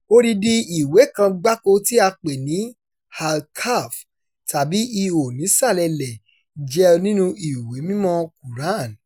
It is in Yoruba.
Odindin ìwé kan gbáko tí a pè ní "Al Kahf" tàbí "Ihò nísàlẹ̀ ilẹ̀ " jẹyọ nínúu ìwé mímọ́ọ Kuran.